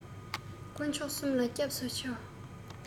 ཀུན མཆོག གསུམ ལ སྐྱབས སུ འཆིའོ